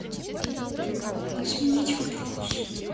сменить вопрос